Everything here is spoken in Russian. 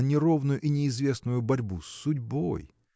на неровную и неизвестную борьбу с судьбой?